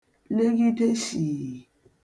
leghide shìi